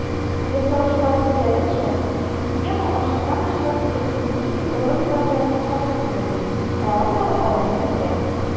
Ясаучылар сүзләренчә, система ачыктан-ачык экстремистик роликлар белән охшашлыкны эзли, ә аннары аларны бетерә.